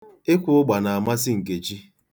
Ụkwụ ụgba na-amasị Nkechi.